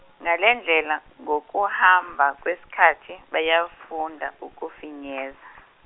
ngale ndlela ngokuhamba kwesikhathi bayafunda ukufinyeza.